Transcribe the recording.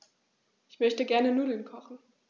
Ich möchte gerne Nudeln kochen.